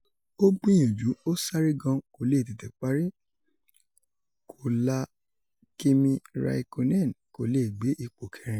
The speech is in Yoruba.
Ó gbìyànjú, ó sáré gan-an kó lè tètè parí, kó la Kimi Raikkonen kó lè gbé ipò kẹrin.